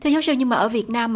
thưa giao sư nhưng mà ở việt nam